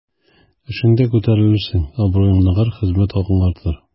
Эшеңдә күтәрелерсең, абруең ныгыр, хезмәт хакың артыр.